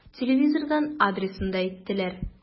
Телевизордан адресын да әйттеләр.